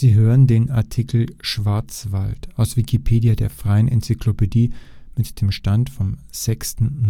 hören den Artikel Schwarzwald, aus Wikipedia, der freien Enzyklopädie. Mit dem Stand vom Der